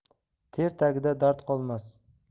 ter tagida dard qolmas